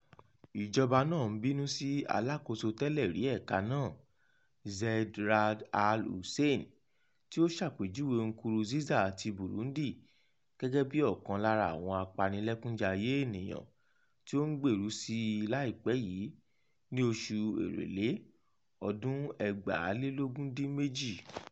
Ìjọba náà ń bínú sí alákòóso tẹ́lẹ̀-rí ẹ̀ka náà, Zeid Ra'ad Al Hussein tí ó ṣàpèjúwe Nkurunziza ti Burundi gẹ́gẹ́ bí ọkàn lára "àwọn apanilẹ́kúnjayé ènìyàn tí ó ń gbèrú sí i láìpẹ́ yìí" ní oṣù Èrèlé 2018.